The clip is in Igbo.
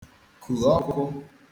kù ọkụ